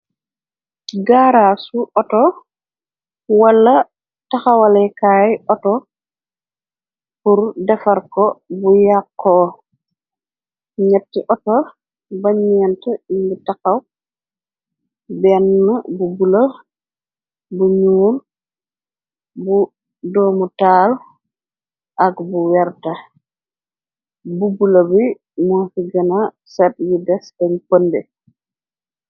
Ci gaara su auto wala taxawalekaay ato tur defar ko bu yàkko ñetti ato ba ñeent indi taxaw benn bu bula bu ñuun bu doomu taal ak bu werta bu bula bi moo ci gëna set yu des kañ pënde.